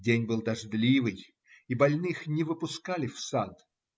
День был дождливый, и больных не выпускали в сад.